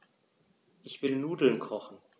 Ich will Nudeln kochen.